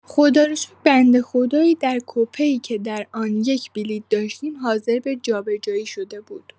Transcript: خداروشکر بنده خدایی در کوپه‌ای که در آن یک بلیت داشتیم حاضر به جابجایی شده بود.